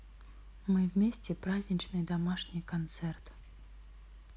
мы вместе праздничный домашний концерт